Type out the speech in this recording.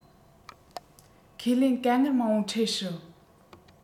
ཁས ལེན དཀའ ངལ མང པོ འཕྲད སྲིད